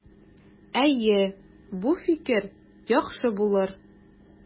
Әйе, бу фикер яхшы булыр.